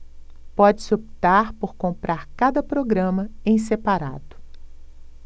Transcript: pode-se optar por comprar cada programa em separado